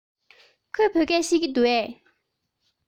ཁོས བོད སྐད ཤེས ཀྱི འདུག གས